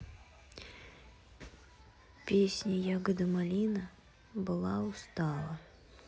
песня ягода малинка была устала